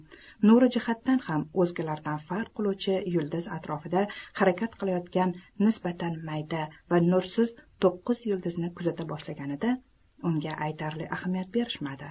nuri jihatidan ham o'zgalardan farq qiluvchi yulduz atrofida harakat qilayotgan nisbatan mayda va nursiz to'qqiz yulduzni kuzata boshlaganida unga aytarli ahamiyat berishmadi